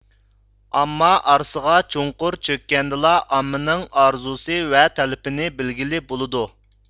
ئامما ئارىسىغا چوڭقۇر چۆككەندىلا ئاممىنىڭ ئارزۇسى ۋە تەلىپىنى بىلگىلى بولىدۇ